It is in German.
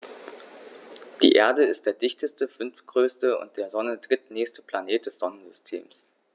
Die Erde ist der dichteste, fünftgrößte und der Sonne drittnächste Planet des Sonnensystems.